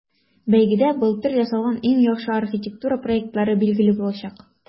Бәйгедә былтыр ясалган иң яхшы архитектура проектлары билгеле булачак.